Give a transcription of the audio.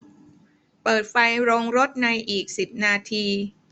เปิดไฟโรงรถในอีกสิบนาที